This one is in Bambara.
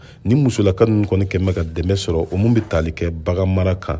nin musolaka minnu kɔni mana dɛmɛ sɔrɔ olu bɛ tali kɛ bagan mara kan